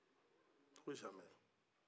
a ko abada